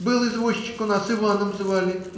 Был извозчик у нас, Иваном звали.